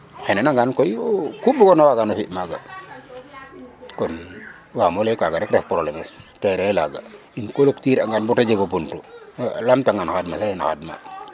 o xena ngaan koy o ku bugona wagano fi maga kon wamo leye kaga ref ref problème es terrain laga um cloture angan bata jego buntu lamta nga um xaad xax xan xaad ma